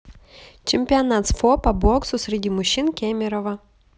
чемпионат сфо по боксу среди мужчин кемерово